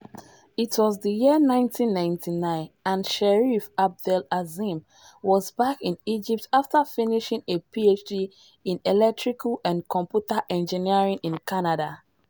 It was the year 1999 and Sherif Abdel-Azim was back in Egypt after finishing a Ph.D. in Electrical and Computer Engineering in Canada.